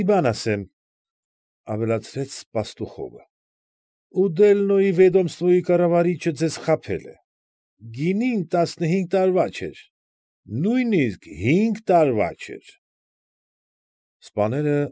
Մի բան ասեմ,֊ ավելացրեց Պաստուխովը,֊ Ուդելնոյի Վեդոմստվոյի կառավարիչը ձեզ խաբել է, գինին տասնհինգ տարվա չէր, նույնիսկ հինգ տարվա չէր… Սպաները։